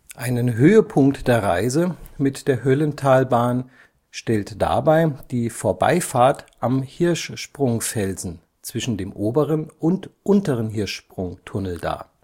Einen Höhepunkt der Reise mit der Höllentalbahn stellt dabei die Vorbeifahrt am Hirschsprungfelsen zwischen dem Oberen und Unteren Hirschsprung-Tunnel dar